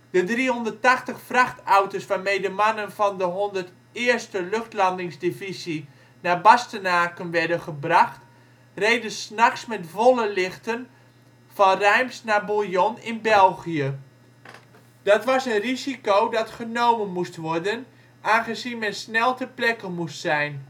De 380 vrachtauto’ s waarmee de mannen van de 101e Luchtlandingsdivisie naar Bastenaken werden gebracht, reden ' s nachts met volle lichten van Reims naar Bouillon in België. Dat was een risico dat genomen moest worden, aangezien men snel ter plekke moest zijn